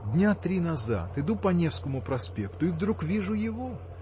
Дня три назад иду по Невскому проспекту и вдруг вижу его.